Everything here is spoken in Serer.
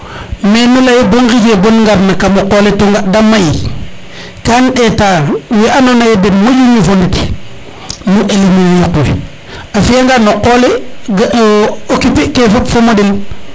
mais nu leye bo ngije bo ngarna kam o qol le to nga de may kan ndeta we ando naye den moƴu ñofo ndet nu eliminer yoq we a fiya ngan o qol le occuper ke fop fo moɗel